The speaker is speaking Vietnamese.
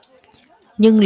nhưng